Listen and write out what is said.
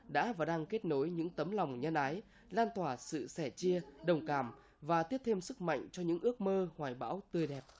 đã và đang kết nối những tấm lòng nhân ái lan tỏa sự sẻ chia đồng cảm và tiếp thêm sức mạnh cho những ước mơ hoài bão tươi đẹp